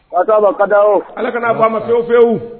A ka na kadawo, Ala kana ban an ma fiyewu, fiyewu